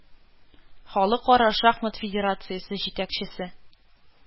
Халыкара шахмат федерациясе җитәкчесе